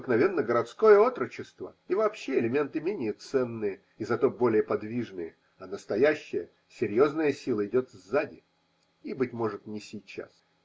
обыкновенно, городское отрочество и вообще элементы менее ценные и зато более подвижные, а настоящая серьезная сила идет сзади, и, быть может, не сейчас.